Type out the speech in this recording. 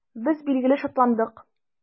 Без, билгеле, шатландык.